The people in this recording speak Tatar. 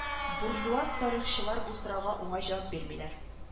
Буржуаз тарихчылар бу сорауга уңай җавап бирмиләр